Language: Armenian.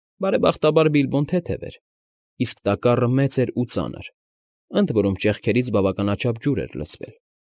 Բարեբախտաբար Բիլբոն թեթև էր, իսկ տակառը մեծ էր ու ծանր, ընդ որում ճեղքերից բավականաչափ ջուր էր լցվել։